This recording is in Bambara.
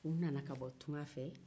u nana ka bɔ tunkan fɛ